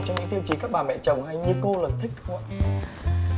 tiêu chí các bà mẹ chồng như cô là thích không ạ